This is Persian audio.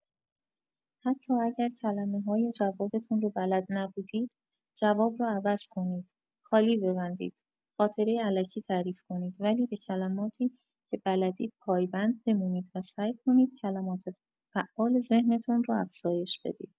حتی اگر کلمه‌های جوابتون رو بلد نبودید جواب رو عوض کنید، خالی ببندید، خاطره الکی تعریف کنید ولی به کلماتی که بلدید پایبند بمونید و سعی کنید کلمات فعال ذهنتون رو افزایش بدید.